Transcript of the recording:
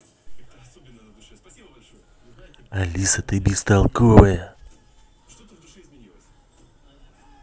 алиса ты бестолковая